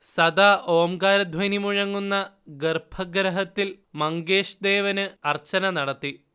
സദാ ഓംകാരധ്വനി മുഴങ്ങുന്ന ഗർഭഗൃഹത്തിൽ മങ്കേഷ് ദേവന് അർച്ചന നടത്തി